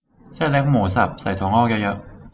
เส้นเล็กหมูสับใส่ถั่วงอกเยอะเยอะ